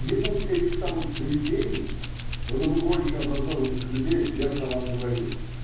Не будь этих самых заведений, было бы больше образованных людей, верно вам говорю.